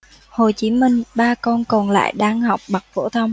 hồ chí minh ba con còn lại đang học bậc phổ thông